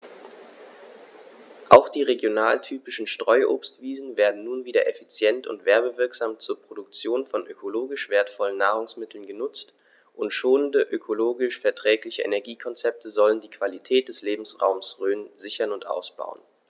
Auch die regionaltypischen Streuobstwiesen werden nun wieder effizient und werbewirksam zur Produktion von ökologisch wertvollen Nahrungsmitteln genutzt, und schonende, ökologisch verträgliche Energiekonzepte sollen die Qualität des Lebensraumes Rhön sichern und ausbauen.